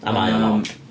A mae o'n od.